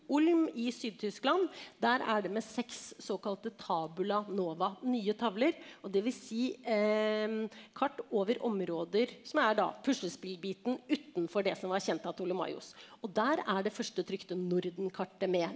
Olm i Syd-Tyskland der er det med seks såkalte nye tavler, og dvs. kart over områder som er da puslespillbiten utenfor det som var kjent av Ptolemaios, og der er det første trykte nordenkartet med.